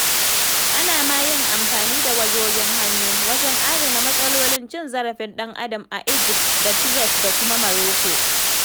Ana ma yin amfani da wayoyin hannu wajen adana mas'alolin cin zarafin ɗan-adam a Egypt da Tibet da kuma Morocco.